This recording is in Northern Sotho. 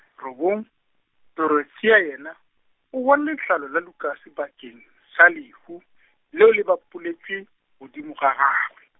robong, Dorothea yena, o bone letlalo la Lukas bakeng sa lehu, leo le bapoletšwe, godimo ga gagwe.